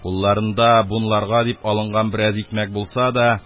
Кулларында бунларга дип алынган бераз икмәк булса да,